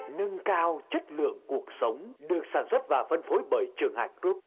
nâng cao chất lượng cuộc sống được sản xuất và phân phối bởi trường hải gờ rúp